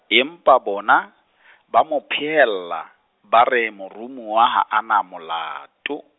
empa bona, ba mo phehella, ba re moromuwa ha a na molato.